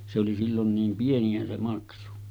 se oli silloin niin pieniä se maksu